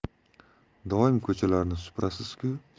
doim ko'chalarni suparasiz ku